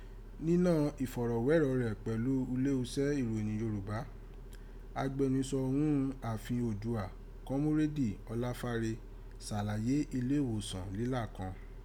Ninọ́ ifọrọwerọ rẹ pẹlu ulé uṣẹ́ ìròyẹ̀n Yoruba, agbẹnusọ ghún aafin Oodua, Kọmureedi Ọlafare salaye ileewosan lílá kàn.